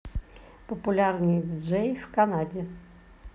популярные диджеи в канаде